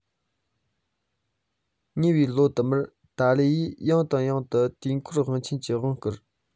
ཉེ བའི ལོ དུ མར ཏཱ ལའི ཡིས ཡང དང ཡང དུ དུས འཁོར དབང ཆེན གྱི དབང བསྐུར